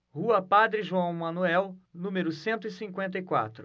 rua padre joão manuel número cento e cinquenta e quatro